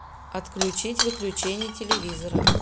отключить выключение телевизора